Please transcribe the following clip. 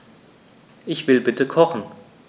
Ich will bitte kochen.